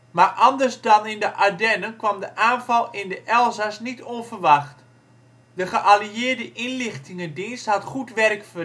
Maar anders dan in de Ardennen kwam de aanval in de Elzas niet onverwacht. De geallieerde inlichtingendienst had goed werk